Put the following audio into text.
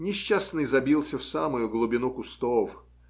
Несчастный забился в самую глубину кустов